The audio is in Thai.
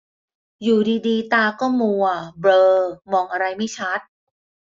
อยู่ดีดีตาก็มัวเบลอมองอะไรไม่ชัด